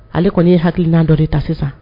Ale kɔni ye hakili naani dɔ ta sisan